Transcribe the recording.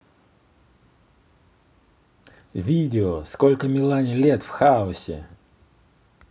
видео сколько милане лет в хаосе